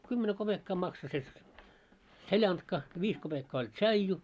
kymmenen kopeekkaa maksoi se seljanka viisi kopeekkaa oli tsaiju